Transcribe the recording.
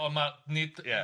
Ond ma' nid nid, ia.